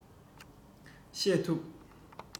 བཤད ཐུབ